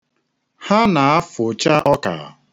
Ha na-afụcha ọka.